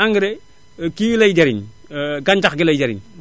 engrais kii lay jariñ gañcax gi lay jariñ